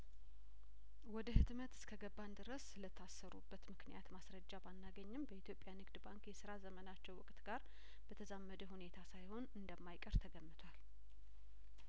ወደ ህትመት እስከገባን ድረስ ስለታሰሩበት ምክንያት ማስረጃ ባናገኝም በኢትዮጵያ ንግድ ባንክ የስራ ዘመናቸው ወቅት ጋር በተዛመደ ሁኔታ ሳይሆን እንደማይቀር ተገምቷል